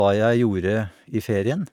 Hva jeg gjorde i ferien.